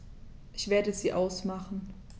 Ich werde sie ausmachen.